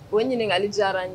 O ɲininkakali